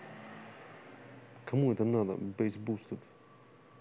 кому это надо bassboosted